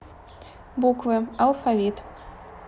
буквы алфавит